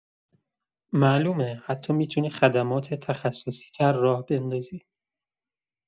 معلومه، حتی می‌تونی خدمات تخصصی‌تر راه بندازی.